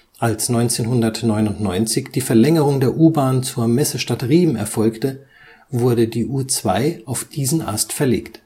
Als 1999 die Verlängerung der U-Bahn zur Messestadt Riem erfolgte, wurde die U2 auf diesen Ast verlegt